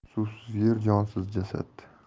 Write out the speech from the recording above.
suvsiz yer jonsiz jasad